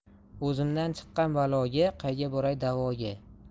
o'zimdan chiqqan baloga qayga boray da'voga